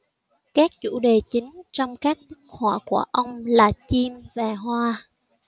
các chủ đề chính trong các bức họa của ông là chim và hoa